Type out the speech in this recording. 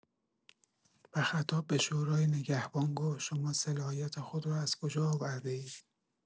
و خطاب به شورای نگهبان گفت: «شما صلاحیت خود را از کجا آورده‌اید؟